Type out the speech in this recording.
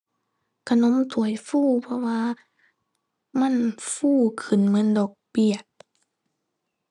ขนมถ้วยฟู เพราะว่ามันฟูขึ้นเหมือนดอกเบี้ย